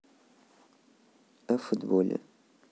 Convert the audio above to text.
о футболе